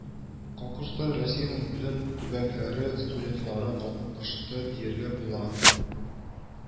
Конкурста Россиянең бөтен төбәкләре студентлары катнашты дияргә була